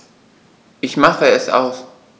Ich mache es aus.